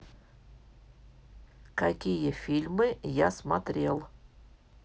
какие фильмы я смотрел